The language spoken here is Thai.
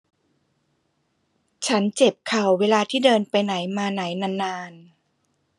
ฉันเจ็บเข่าเวลาที่เดินไปไหนมาไหนนานนาน